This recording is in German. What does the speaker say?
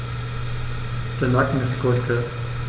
Der Nacken ist goldgelb.